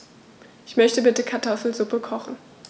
Ich möchte bitte Kartoffelsuppe kochen.